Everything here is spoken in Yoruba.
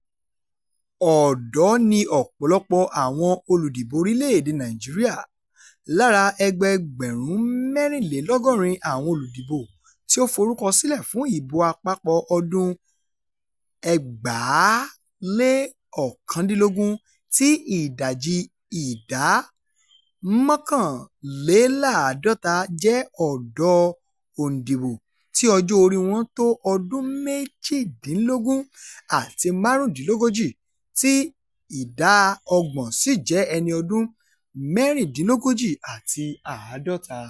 Ọ̀dọ́ ni ọ̀pọ̀lọpọ̀ àwọn olùdìbò orílẹ̀-èdèe Nàìjíríà. Lára ẹgbẹẹgbẹ̀rún 84 àwọn olùdìbò tí ó forúkọsílẹ̀ fún Ìbò Àpapọ̀ ọdún-un 2019, tí ìdajì — ìdá 51 — jẹ́ ọ̀dọ́ òǹdìbò tí ọjọ́ oríi wọ́n tó ọdún 18 àti 35, tí ìdá 30 sì jẹ́ ẹni ọdún 36 àti 50.